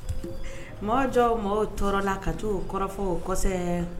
Mɔgɔ jɔ mɔgɔw tɔɔrɔ la ka taa o kɔrɔfɔw kosɛbɛ